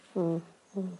Hmm hmm.